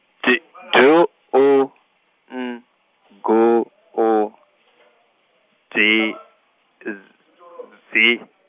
D D, U, O, N, G, O, D, Z I.